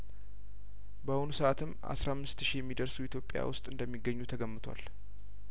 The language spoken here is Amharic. በአሁኑ ሰአትም አስራ አምስት ሺ የሚደርሱ ኢትዮጵያ ውስጥ እንደሚገኙ ተገምቷል